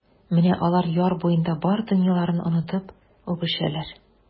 Менә алар яр буенда бар дөньяларын онытып үбешәләр.